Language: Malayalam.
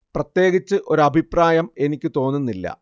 പ്രത്യേകിച്ച് ഒരു അഭിപ്രായം എനിക്ക് തോന്നുന്നില്ല